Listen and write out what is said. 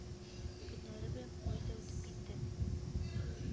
Көннәре белән әй дә үтеп китте